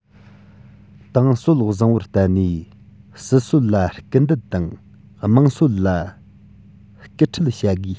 ཏང སྲོལ བཟང པོར བརྟེན ནས སྲིད སྲོལ ལ སྐུལ འདེད དང དམངས སྲོལ ལ སྐུལ ཁྲིད བྱ དགོས